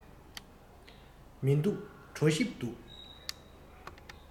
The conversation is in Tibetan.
མི འདུག གྲོ ཞིབ འདུག